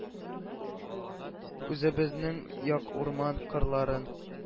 Үзебезнең як урман-кырларын